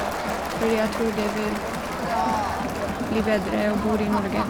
Fordi jeg tror det vil bli bedre å bor i Norge.